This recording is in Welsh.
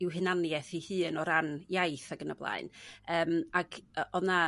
yw hunaniaeth i hun o ran iaith ag yn y blaen yym ag o'dd 'na